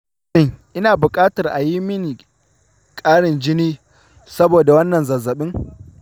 shin ina buƙatar a yi mini ƙarin jini saboda wannan zazzabi?